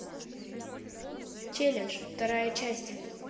челлендж вторая часть